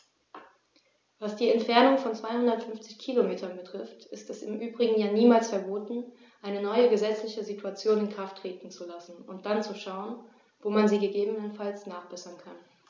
Was die Entfernung von 250 Kilometern betrifft, ist es im Übrigen ja niemals verboten, eine neue gesetzliche Situation in Kraft treten zu lassen und dann zu schauen, wo man sie gegebenenfalls nachbessern kann.